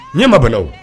Ɲɛ ma bala wu.